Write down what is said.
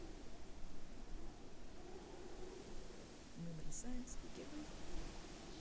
мы бросаем скуке вызов